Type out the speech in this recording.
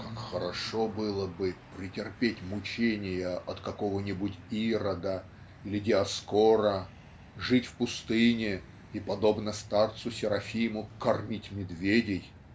"как хорошо было бы претерпеть мучения от какого-нибудь Ирода или Диоскора жить в пустыне и подобно старцу Серафиму кормить медведей